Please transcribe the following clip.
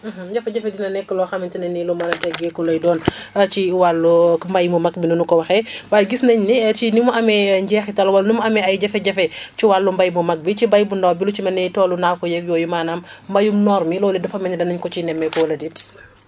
jafé-jafe dina nekk loo xamante ne nii lu mën a teggeeku lay doon ci wàllu mbéy mu mag mi ni ñu ko waxee waaye gis nañ ne ci ni mu amee njeexital wala ni m amee ay jafe-jafe ci wàllu mbéy bu mag bi ci mbéy bu ndaw bi lu ci mel ni toolu naako yeeg yooyu maanaam mbéyum noor mi léeg-léeg dafa mel ni da nga ko ciy nemmeeku wala déet